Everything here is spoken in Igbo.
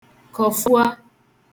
kọ̀fùa